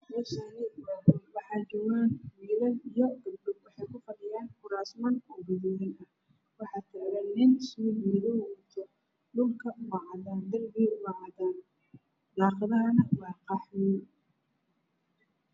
Me Shani wa qol waxa jogan wiilal iya gab dho waxey ku fa dhi Yan kurasman gugududan waxa tagan nin suug madow wato dhul ka wa cadan der biga wa cadan da qada Hana wa qaxwi